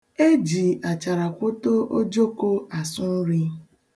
E ji acharakwoto ojoko asụ nri.